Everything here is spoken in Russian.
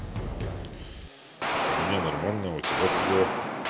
у меня нормально а у тебя как дела